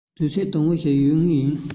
དུས ཚོད དུམ བུ ཞིག ཡོད ངེས ཡིན